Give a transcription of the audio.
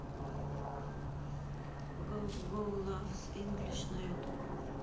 гоу гоу лавс инглиш на ютуб